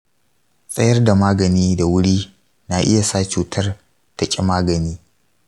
tsayar da magani da wuri na iya sa cutar ta ƙi magani.